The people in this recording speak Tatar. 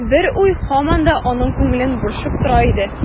Бер уй һаман да аның күңелен борчып тора иде.